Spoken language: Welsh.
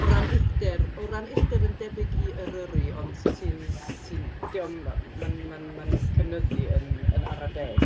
O ran uchder o ran uchder yn debyg i Eryri. Ond ti'n ti'n... diom... ma'n ma'n ma'n cynyddu yn ara deg.